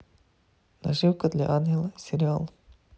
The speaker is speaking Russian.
наживка для ангела сериал